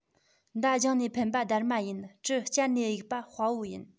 མདའ རྒྱང ནས འཕེན པ སྡར མ ཡིན གྲི བཅར ནས གཡུག པ དཔའ བོ ཡིན